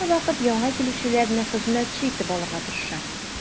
Ул һәрвакыт яңа килүчеләрне хезмәтче итеп алырга тырыша.